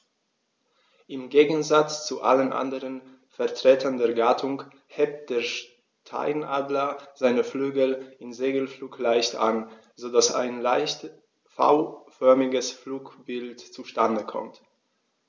Im Gegensatz zu allen anderen Vertretern der Gattung hebt der Steinadler seine Flügel im Segelflug leicht an, so dass ein leicht V-förmiges Flugbild zustande kommt.